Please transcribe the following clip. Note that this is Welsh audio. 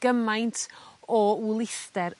gymaint o wlithder